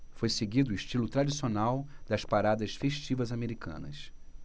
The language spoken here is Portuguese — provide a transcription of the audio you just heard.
foi seguido o estilo tradicional das paradas festivas americanas